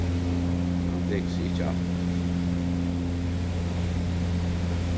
hann tekur seg ikki aftur